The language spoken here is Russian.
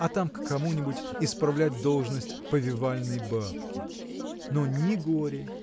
а там к кому-нибудь – исправлять должность повивальной бабки. Но ни горе